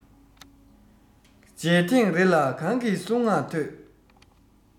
མཇལ ཐེངས རེ ལ གང གི གསུང ངག ཐོས